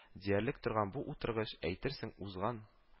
Диярлек торган бу утыргыч, әйтерсең, узган-